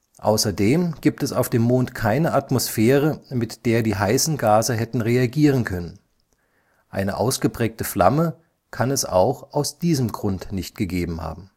Außerdem gibt es auf dem Mond keine Atmosphäre, mit der die heißen Gase hätten reagieren können – eine ausgeprägte Flamme kann es auch aus diesem Grund nicht gegeben haben